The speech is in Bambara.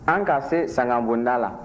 an ka se sangabonda la